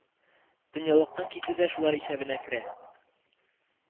Дөньялыктан китү дә шулар исәбенә керә